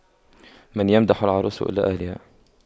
من يمدح العروس إلا أهلها